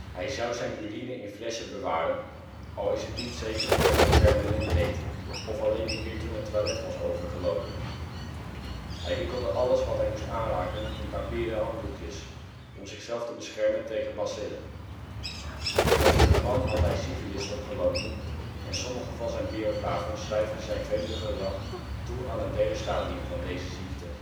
Hij zou zijn urine in flessen bewaren, al is het niet zeker of hij dat permanent deed of alleen een keer toen het toilet was overgelopen. Hij wikkelde alles wat hij moest aanraken in papieren handdoekjes, om zichzelf te beschermen tegen bacillen. Als jonge man had hij syfilis opgelopen en sommige van zijn biografen schrijven zijn vreemde gedrag toe aan het derde stadium van deze ziekte